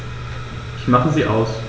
Ich mache sie aus.